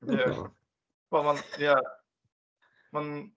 Ie wel mae'n ie... mae'n...